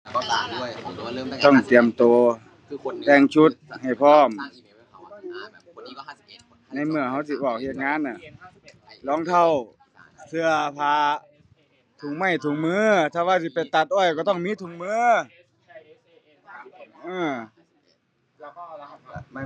ต้องเตรียมตัวแต่งชุดให้พร้อม ในเมื่อตัวสิออกเฮ็ดงานน่ะ รองเท้า เสื้อผ้า ถุงไม้ถุงมือ ถ้าว่าสิไปตัดอ้อยตัวต้องมีถุงมือ อื้อ